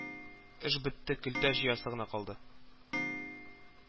Эш бетте, көлтә җыясы гына калды